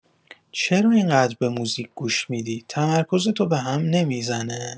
چرا اینقدر به موزیک گوش می‌دی، تمرکزتو بهم نمی‌زنه؟